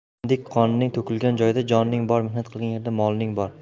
kindik qoning to'kilgan joyda joning bor mehnat qilgan yerda moling bor